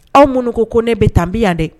Aw mun ko ko ne bɛ tanbi yan dɛ